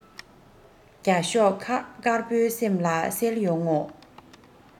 རྒྱ ཤོག དཀར པོའི སེམས ལ གསལ ཡོང ངོ